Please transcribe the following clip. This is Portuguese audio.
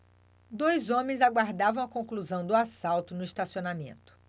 dois outros homens aguardavam a conclusão do assalto no estacionamento